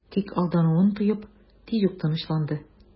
Тик алдануын тоеп, тиз үк тынычланды...